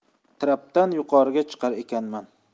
trapdan yuqoriga chiqar ekanman